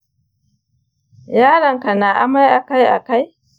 yaronka na amai akai-akai?